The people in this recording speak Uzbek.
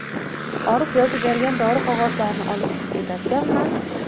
orif yozib bergan dori qog'ozlarni olib chiqib ketarkanman